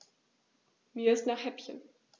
Mir ist nach Häppchen.